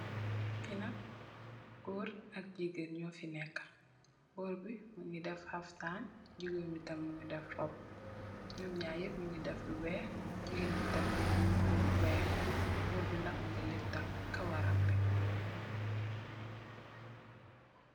Fi nak gorr ak gegen ngu fi neka. Gorr bi mu nge def haftan gigen bi munge muru lu weyh rob yep leta kawarem bi.